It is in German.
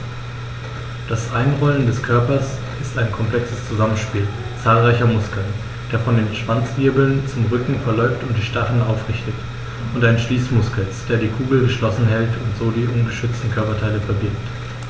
Das Einrollen des Körpers ist ein komplexes Zusammenspiel zahlreicher Muskeln, der von den Schwanzwirbeln zum Rücken verläuft und die Stacheln aufrichtet, und eines Schließmuskels, der die Kugel geschlossen hält und so die ungeschützten Körperteile verbirgt.